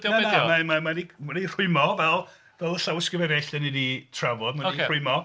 Na, na, mae... mae 'di rhwymo fel... fel y llawysgrifiau eraill dan ni 'di drafod. Mae... Ocê ...'Di rhwymo